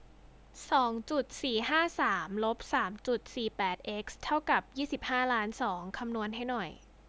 สองจุดสี่ห้าสามลบสามจุดสี่แปดเอ็กซ์เท่ากับยี่สิบห้าล้านสองคำนวณให้หน่อย